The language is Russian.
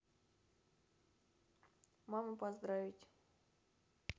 маму поздравить